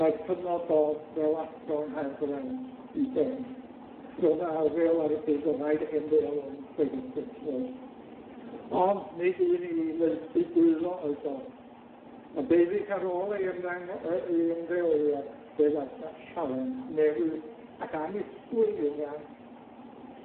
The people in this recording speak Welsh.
daeth cyfnod Dodd fel athro yng Nghaergrawnt i ben, ro'dd 'na reol ar y pryd o' raid i chi ymddeol yn chwe deg pump oed ond nid un i laesu dwylo oedd Dodd, a deufis ar ôl ei ymddango- yy ei ymddeoliad, fe ddaeth 'na sialens newydd ac annisgwyl i'w ran.